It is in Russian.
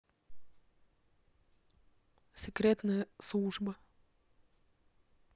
секретная служба